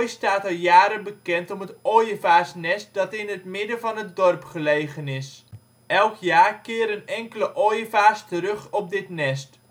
staat al jaren bekend om het ooievaarsnest dat in het midden van het dorp gelegen is. Elk jaar keren enkele ooievaars terug op dit nest